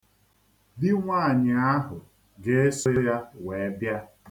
Di nwaanyị ahụ ga-eso ya wee bịa.